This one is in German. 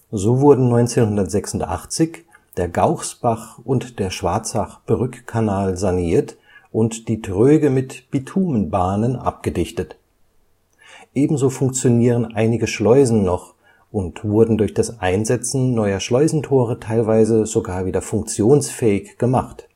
So wurden 1986 der Gauchsbach - und der Schwarzach-Brückkanal saniert und die Tröge mit Bitumenbahnen abgedichtet. Ebenso funktionieren einige Schleusen noch und wurden durch das Einsetzen neuer Schleusentore teilweise sogar wieder funktionsfähig gemacht